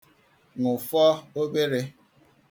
Nụfọọ obere.